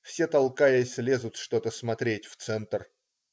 Все толкаясь лезут что-то смотреть в центре.